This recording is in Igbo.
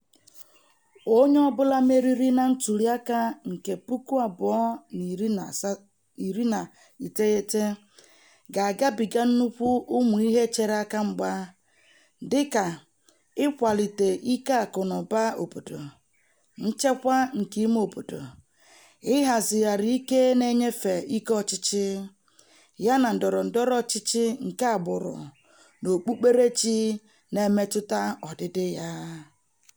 Onye ọ bụla meriri na ntụliaka nke 2019 ga-agabiga nnukwu ụmụ ihe chere aka mgba dịka ịkwalite ike akụ na ụba obodo, nchekwa nke ime obodo, ịhazigharị ike na inyefe ike ọchịchị, yana ndọrọ ndọrọ ọchịchị nke agbụrụ na okpukperechi na-emetụta ọdịdị ya.